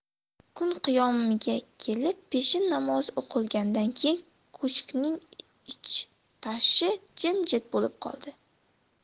kun qiyomiga kelib peshin namozi o'qilgandan keyin ko'shkning ich tashi jimjit bo'lib qoldi